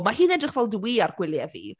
Mae hi’n edrych fel dwi ar gwyliau fi.